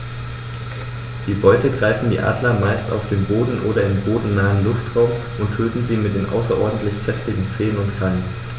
Die Beute greifen die Adler meist auf dem Boden oder im bodennahen Luftraum und töten sie mit den außerordentlich kräftigen Zehen und Krallen.